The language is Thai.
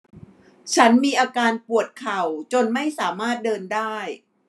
ฉันมีอาการปวดเข่าจนไม่สามารถเดินได้